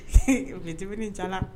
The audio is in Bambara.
Eeti ja